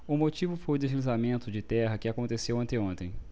o motivo foi o deslizamento de terra que aconteceu anteontem